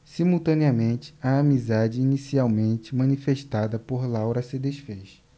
simultaneamente a amizade inicialmente manifestada por laura se disfez